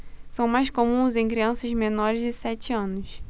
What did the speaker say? são mais comuns em crianças menores de sete anos